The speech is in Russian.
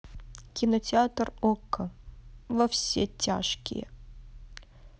кинотеатр окко во все тяжкие